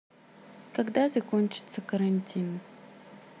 когда закончится карантин